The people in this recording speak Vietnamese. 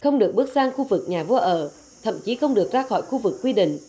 không được bước sang khu vực nhà vua ở thậm chí không được ra khỏi khu vực quy định